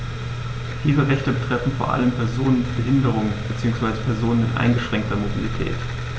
Diese Rechte betreffen vor allem Personen mit Behinderung beziehungsweise Personen mit eingeschränkter Mobilität.